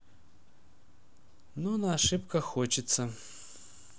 но на ошибках хочется